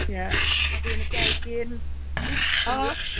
Ie. ...a fi yn y gegin, w, 'co ni.